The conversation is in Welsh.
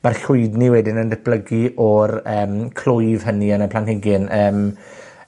ma'r llwydni wedyn yn datblygu or yym clwyf hynny yn y planhigyn yym.